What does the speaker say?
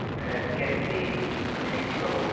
yym, gerddi cymunedol...